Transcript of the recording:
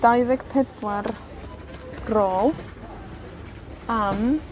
dau ddeg pedwar rôl am